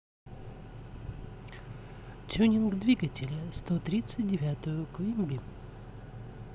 тюнинг двигателя сто тридцать девятую квимби